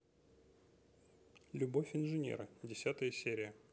любовь инженера десятая серия